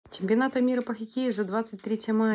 чемпионата мира по хоккею за двадцать третье мая